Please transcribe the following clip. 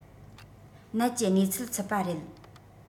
ནད ཀྱི གནས ཚུལ ཚུད པ རེད